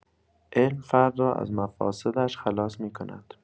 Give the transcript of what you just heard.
علم فرد را از مفاسدش خلاص می‌کند.